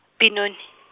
Benoni.